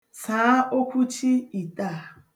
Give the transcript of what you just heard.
Saa okwuchi ite a.